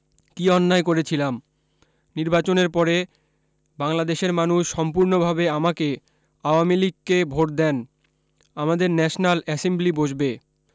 কি অন্যায় করেছিলাম নির্বাচনের পরে বাংলাদেশের মানুষ সম্পূর্ণভাবে আমাকে আওয়ামীলীগকে ভোট দেন আমাদের ন্যাশনাল এসেম্বলি বসবে